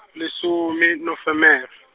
lesome Nofemere .